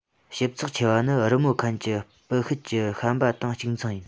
ཞིབ ཚགས ཆེ བ ནི རི མོ མཁན གྱིས སྤུ ཤད ཀྱིས ཤད པ དང གཅིག མཚུངས ཡིན